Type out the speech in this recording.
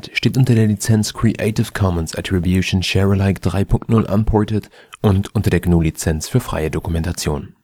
steht unter der Lizenz Creative Commons Attribution Share Alike 3 Punkt 0 Unported und unter der GNU Lizenz für freie Dokumentation